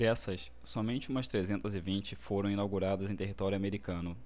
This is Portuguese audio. dessas somente umas trezentas e vinte foram inauguradas em território americano